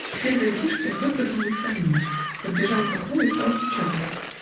У первой избушки он выпрыгнул из саней, подбежал к окну и стал стучаться.